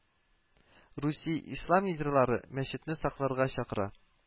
Русия Ислам лидерлары мәчетне сакларга чакыра